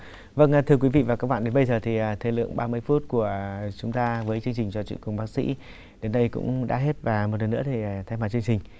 vâng thưa quý vị và các bạn đến bây giờ thì thời lượng ba mươi phút của chúng ta với chương trình trò chuyện cùng bác sĩ đến đây cũng đã hết và một lần nữa thì thay mặt chương trình